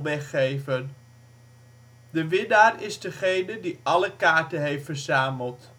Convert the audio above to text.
geven. De winnaar is diegene die alle kaarten heeft verzameld